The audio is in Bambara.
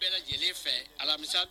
Bɛɛ lajɛlen fɛ alamisa!